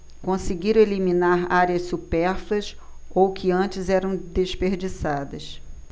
conseguiram eliminar áreas supérfluas ou que antes eram desperdiçadas